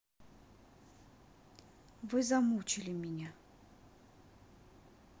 вы замучили меня